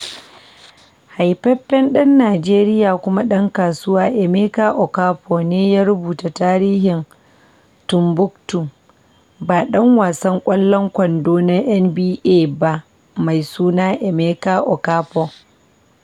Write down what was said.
Haifaffen ɗan Nijeriya kuma ɗan kasuwa, Emeka Okafor ne ya rubuta Tarihin Tumbuktu, ba ɗan wasan ƙwallon kwando na NBA ba mai suna Emeka Okafor.